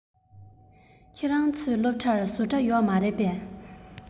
ཁྱོད རང ཚོའི སློབ གྲྭར བཟོ གྲྭ ཡོད རེད པས